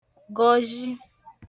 gọzhị